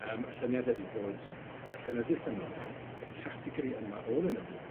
Yym y syniad ydi bod y llenyddieth yma yn, y categori yma o lenyddieth